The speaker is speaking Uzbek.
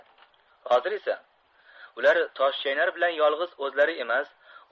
hozir esa ular toshchaynar bilan yolg'iz o'zlari emas